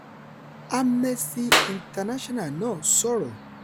Amnesty International náà sọ̀rọ̀: